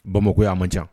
Bamakɔ y a ma jan